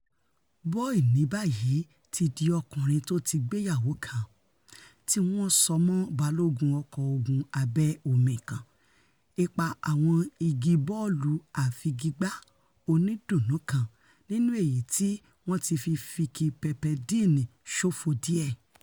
Bough ní báyìí ti dí ọkùnrin tóti gbéyàwó kan, tíwọn sọ mọ́ balógun ọko ogun abẹ́-omi kan, ipa àwọn igi bọ́ọ̀lú-àfigigbá onídùnnú kan nínú èyití wọn ti fi Vicki Pepperdine ṣòfo díẹ̀.